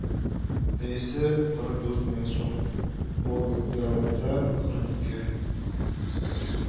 Бәясе кырык дърт мең сум, волгоградта кырык ике